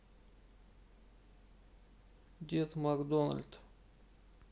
дед макдональд